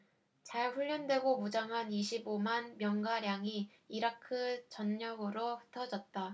잘 훈련되고 무장한 이십 오 만 명가량이 이라크 전역으로 흩어졌다